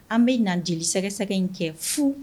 An bɛ na jeli sɛgɛ-sɛgɛ in kɛ fo